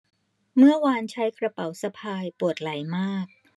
เมื่อวานใช้กระเป๋าสะพายปวดไหล่มาก